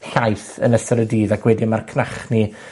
llaith yn ystod y dydd ac wedyn ma'r cnachni